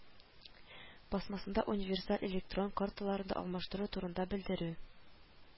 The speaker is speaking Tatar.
Басмасында универсаль электрон карталарны алмаштыру турында белдерү